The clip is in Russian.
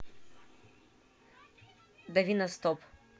дави на стоп